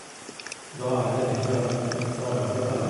Da er det et eller annet f fare på ferde.